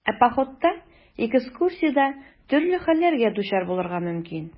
Ә походта, экскурсиядә төрле хәлләргә дучар булырга мөмкин.